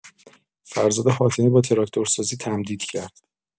فرزاد حاتمی با تراکتورسازی تمدید کرد